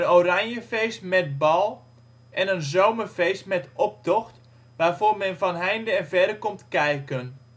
Oranjefeest met bal Zomerfeest met optocht, waarvoor men van heinde en verre komt kijken